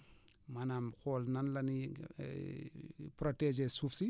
maanaam xool nan la ñuy protéger suuf si